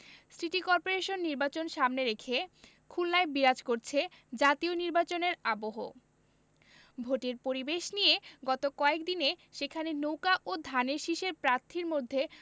city corporation নির্বাচন সামনে রেখে খুলনায় বিরাজ করছে জাতীয় নির্বাচনের আবহ ভোটের পরিবেশ নিয়ে গত কয়েক দিনে সেখানে নৌকা ও ধানের শীষের প্রার্থীর মধ্যে